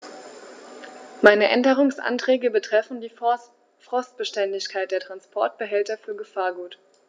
Meine Änderungsanträge betreffen die Frostbeständigkeit der Transportbehälter für Gefahrgut.